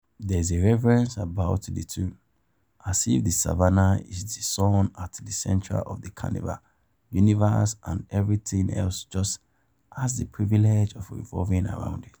There is a reverence about the tune: as if the Savannah is the sun at the centre of the Carnival universe and everything else just has the privilege of revolving around it.